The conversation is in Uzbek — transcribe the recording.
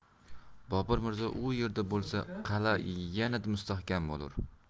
bobur mirzo u yerda bo'lsa qala yanada mustahkam bo'lur